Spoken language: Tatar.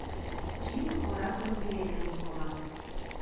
Җир кара күмергә әйләнеп кала.